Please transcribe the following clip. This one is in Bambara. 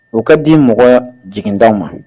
U ka di mɔgɔ jigintan ma